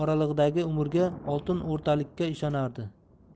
oralig'idagi umrga oltin o'rtalikka ishonardi